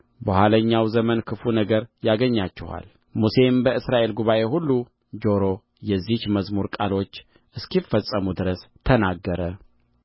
በኋለኛው ዘመን ክፉ ነገር ያገኛችኋል ሙሴም በእስራኤል ጉባኤ ሁሉ ጆሮ የዚህች መዝሙር ቃሎች እስኪፈጸሙ ድረስ ተናገረ